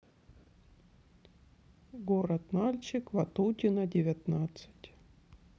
город нальчик ватутина девятнадцать